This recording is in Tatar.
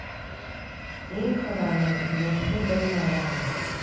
И, Ходаем, яши белмәгәнмен...